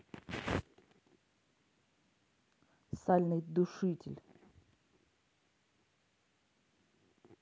сальный душитель